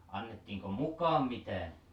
annettiinko mukaan mitään